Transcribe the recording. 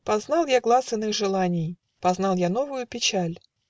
Познал я глас иных желаний, Познал я новую печаль